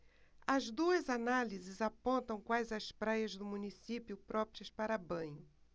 as duas análises apontam quais as praias do município próprias para banho